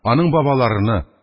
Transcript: Аның бабаларыны,